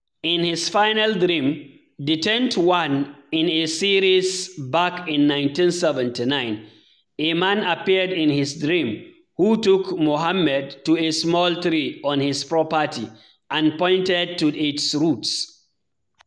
In his final dream, the tenth one in a series back in 1979, a man appeared in his dream who took Mohammed to a small tree on his property and pointed to its roots.